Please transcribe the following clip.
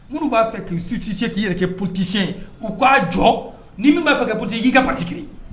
Mori b'a fɛ k'i su tise'i yɛrɛ kɛ ptise k'u k'a jɔ ni min b'a fɛ kɛ pse y'i ka mati kelen